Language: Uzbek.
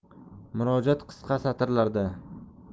murojaat qisqa satrlarda